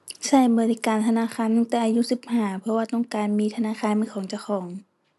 ใช้บริการธนาคารตั้งแต่อายุสิบห้า เพราะว่าต้องการมีธนาคารเป็นของเจ้าของ